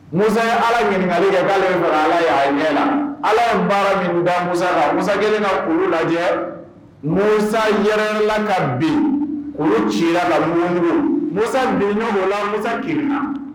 Mu ye ala ɲininkali kɛ' bɔra ala ye a ɲɛ la ala ye baarada musala mu kelen na olu lajɛ mu yɛrɛla ka bin olu ci ka musa bi ɲɔn la musa kila